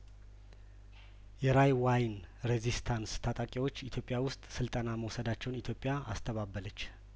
የራይዋይን ሬዚስተንስ ታጣቂዎች ኢትዮጵያ ውስጥ ስልጠና መውሰዳቸውን ኢትዮጵያ አስተባበለች